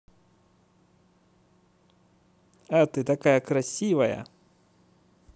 а ты такая красивая